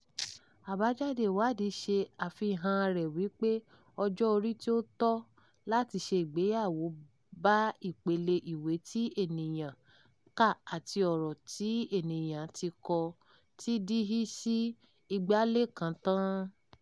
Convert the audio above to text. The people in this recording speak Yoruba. Àbájáde ìwádìí ṣe àfihàn-an rẹ̀ wípé ọjọ́ orí tí ó tọ́ láti ṣe ìgbéyàwó bá ìpele ìwé tí ènìyàn kà àti ọrọ̀ tí ènìyán ti kó jọ (TDHS 201) tan.